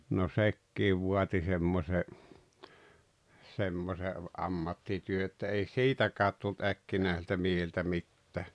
no sekin vaati semmoisen semmoisen ammattityön että ei siitäkään tullut äkkinäisiltä miehiltä mitään